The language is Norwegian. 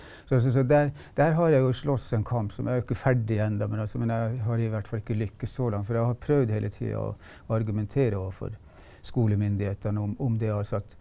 så altså så der der har jeg jo slåss enn kamp som er jo ikke ferdig enda men altså men jeg jeg har i hvert fall ikke lykkes så langt for jeg har prøvd hele tida å argumentere overfor skolemyndighetene om om det altså at.